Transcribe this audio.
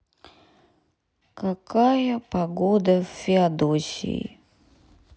какая погода в феодосии